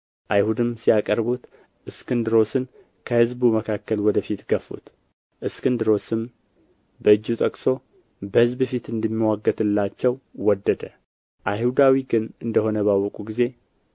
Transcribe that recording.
አይሁድም ሲያቀርቡት እስክንድሮስን ከሕዝቡ መካከል ወደ ፊት ገፉት እስክንድሮስም በእጁ ጠቅሶ በሕዝብ ፊት እንዲምዋገትላቸው ወደደ አይሁዳዊ ግን እንደ ሆነ ባወቁ ጊዜ